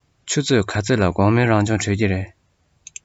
ཆུ ཚོད ག ཚོད ལ དགོང མོའི རང སྦྱོང གྲོལ གྱི རེད